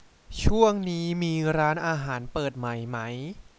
ช่วงนี้มีร้านเปิดใหม่ไหม